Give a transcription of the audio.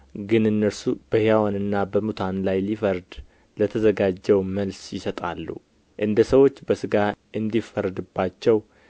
ግን እነርሱ በሕያዋንና በሙታን ላይ ሊፈርድ ለተዘጋጀው መልስ ይሰጣሉ እንደሰዎች በሥጋ እንዲፈረድባቸው